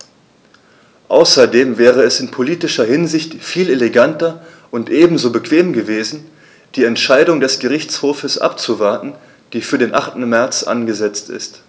Außerdem wäre es in politischer Hinsicht viel eleganter und ebenso bequem gewesen, die Entscheidung des Gerichtshofs abzuwarten, die für den 8. März angesetzt ist.